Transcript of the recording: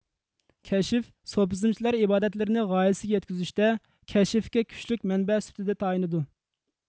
كەشىف سۇپىزمچىلار ئىبادەتلىرىنى غايىسىگە يەتكۈزۈشتە كەشفكە كۈچلۈك مەنبە سۈپىتىدە تايىنىدۇ